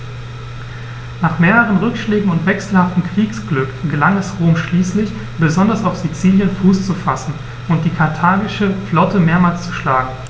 Nach mehreren Rückschlägen und wechselhaftem Kriegsglück gelang es Rom schließlich, besonders auf Sizilien Fuß zu fassen und die karthagische Flotte mehrmals zu schlagen.